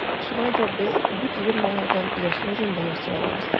Шулай да без бу төзелмәләрдән иярчен җөмлә ясый алабыз.